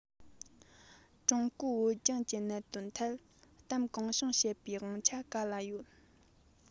ཀྲུང གོའི བོད ལྗོངས ཀྱི གནད དོན ཐད གཏམ གང བྱུང ཤོད པའི དབང ཆ ག ལ ཡོད